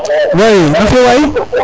oui namfio waay